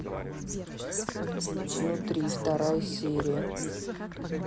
внутри вторая серия